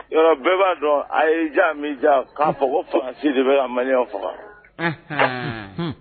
Yɔrɔ bɛɛ b'a dɔn a y'i diya a m'i diya k'a fɔ ko Fransi de bɛ ka maliyɛnw faga anhann unhun